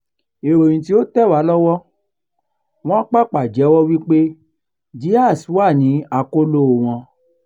[Ìròyìn tí ó tẹ̀ wá lọ́wọ́: they wọ́n pàpà jẹ́wọ́ wípé [Diaz wà ní akolóo wọn]